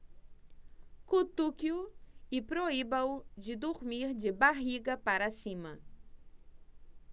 cutuque-o e proíba-o de dormir de barriga para cima